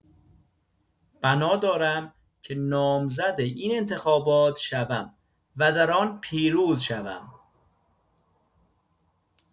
بنا دارم که نامزد این انتخابات شوم و در آن پیروز شوم.